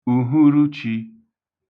ùhuruchī